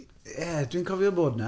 Ie, dwi'n cofio bod 'na.